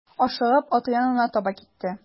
Ашыгып аты янына таба китте.